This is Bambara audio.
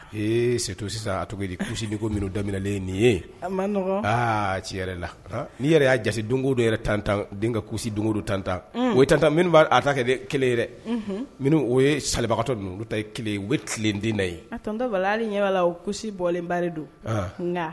Ee se to sisan a tun kusi ni ko minnu daminɛlen nin ye aa ci yɛrɛ la' yɛrɛ y'a jate don dɔ yɛrɛ tan tan denkɛ kusi don don tan tan o tan tan a ta kɛ dɛ kelen yɛrɛ minnu o ye sabagatɔ ninnu olu ta ye kelen ye tiledenda ye a ɲɛla o kusi bɔlenbari don